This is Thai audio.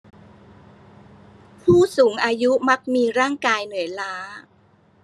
ผู้สูงอายุมักมีร่างกายเหนื่อยล้า